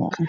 dad shacab ah